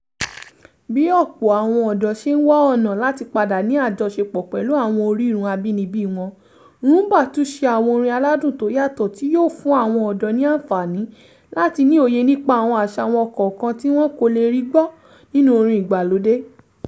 Bí ọ̀pọ̀ àwọn ọ̀dọ́ ṣe ń wá ọ̀nà láti padà ní àjọsepọ̀ pẹ̀lú àwọn orírun abínibí wọn, Rhumba tún ṣe àwọn orin aládùn tó yàtọ̀ tí yòó fún àwọn ọ̀dọ̀ ní àǹfààní láti ni òye nípa àwọn àṣà wọn kọ̀ọ̀kan tí wọ́n kò lè rí gbọ́ nínú orin ìgbàlódé.